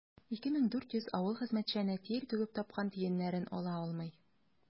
2400 авыл хезмәтчәне тир түгеп тапкан тиеннәрен ала алмый.